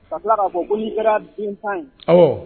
Ka tila k'a fɔ ko n' kɛra bintan ye